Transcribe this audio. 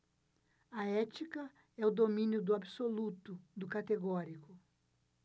a ética é o domínio do absoluto do categórico